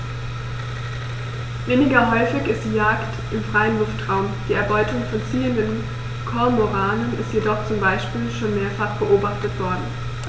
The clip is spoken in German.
Weniger häufig ist die Jagd im freien Luftraum; die Erbeutung von ziehenden Kormoranen ist jedoch zum Beispiel schon mehrfach beobachtet worden.